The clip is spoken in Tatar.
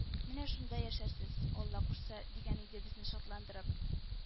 - менә шунда яшәрсез, алла кушса, - дигән иде безне шатландырып